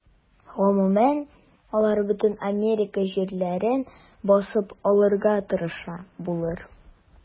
Гомумән, алар бөтен Америка җирләрен басып алырга тырыша булыр.